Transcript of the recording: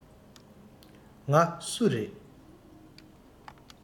ང སུ རེད